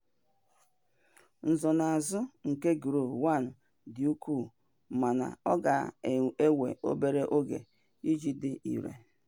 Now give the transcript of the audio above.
Nsonaazụ nke Glo-1 dị ukwuu, mana ọ ga-ewe obere oge iji dị irè.